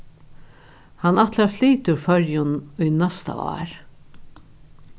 hann ætlar at flyta úr føroyum í næsta ár